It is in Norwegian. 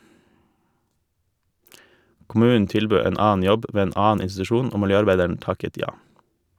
Kommunen tilbød en annen jobb ved en annen institusjon og miljøarbeideren takket ja.